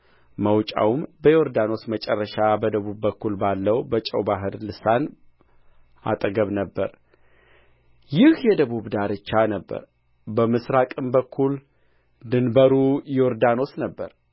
መውጫውም በዮርዳኖስ መጨረሻ በደቡብ በኩል ባለው በጨው ባሕር ልሳን አጠገብ ነበረ ይህ የደቡቡ ዳርቻ ነበረ በምሥራቅም በኩል ድንበሩ ዮርዳኖስ ነበረ